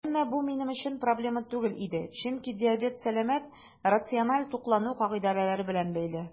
Әмма бу минем өчен проблема түгел иде, чөнки диабет сәламәт, рациональ туклану кагыйдәләре белән бәйле.